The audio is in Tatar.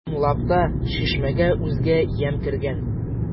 Чынлап та, чишмәгә үзгә ямь кергән.